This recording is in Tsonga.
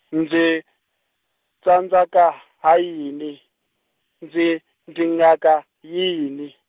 ndzi, tsandzaka ha yini, ndzi dingaka yini?